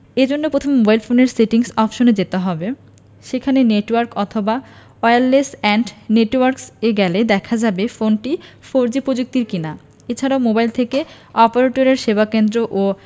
এ জন্য প্রথমে মোবাইল ফোনের সেটিংস অপশনে যেতে হবে সেখানে নেটওয়ার্ক অথবা ওয়্যারলেস অ্যান্ড নেটওয়ার্কস এ গেলে দেখা যাবে ফোনটি ফোরজি প্রযুক্তির কিনা এ ছাড়াও মোবাইল ফোন অপারেটরের সেবাকেন্দ্র ও